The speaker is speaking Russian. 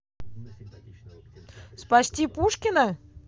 спасти пушкина